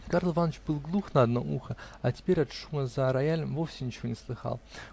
Карл Иваныч был глух на одно ухо, а теперь от шума за роялем вовсе ничего не слыхал.